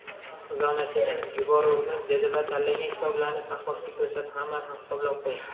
xizonachini yuborurmiz dedi va tanlagan kitoblarini sahhofga ko'rsatdi hammasini hisoblab qo'ying